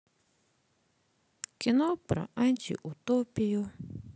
кино про антиутопию